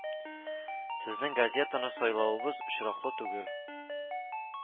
Сезнең газетаны сайлавыбыз очраклы түгел